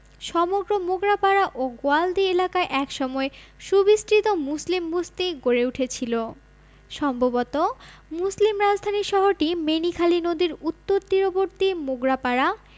সমগ্র মোগরাপাড়া ও গোয়ালদি এলাকায় এক সময় সুবিস্তৃত মুসলিম বসতি গড়ে উঠেছিল সম্ভবত মুসলিম রাজধানী শহরটি মেনিখালী নদীর উত্তর তীরবর্তী মোগরাপাড়া